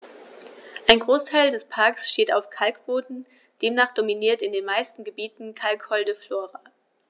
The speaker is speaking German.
Ein Großteil des Parks steht auf Kalkboden, demnach dominiert in den meisten Gebieten kalkholde Flora.